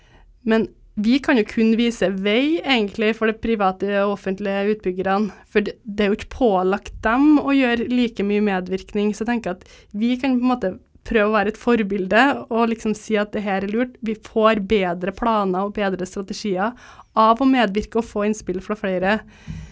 men vi kan jo kun vise vei egentlig for det private og offentlige utbyggerne for det er jo ikke pålagt dem å gjøre like mye medvirkning så jeg tenker at vi kan på en måte prøve å være et forbilde og liksom si at det her er lurt vi får bedre planer og bedre strategier av å medvirke og få innspill fra flere,